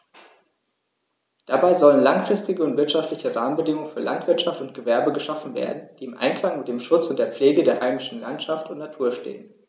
Dabei sollen langfristige und wirtschaftliche Rahmenbedingungen für Landwirtschaft und Gewerbe geschaffen werden, die im Einklang mit dem Schutz und der Pflege der heimischen Landschaft und Natur stehen.